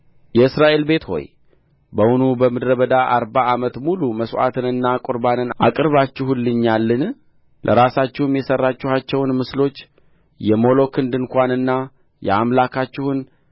የእስራኤል ቤት ሆይ በውኑ በምድረ በዳ አርባ ዓመት ሙሉ መሥዋዕትንና ቍርባንን አቅርባችሁልኛልን ለራሳችሁም የሠራችኋቸውን ምስሎች የሞሎክን ድንኳንና የአምላካችሁን